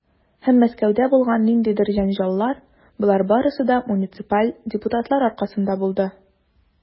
Һәм Мәскәүдә булган ниндидер җәнҗаллар, - болар барысы да муниципаль депутатлар аркасында булды.